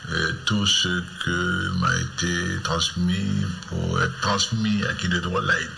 Ɛɛ t se maahite tasuma tasumasmi tasuma tasumas min a hakili tɔgɔ layi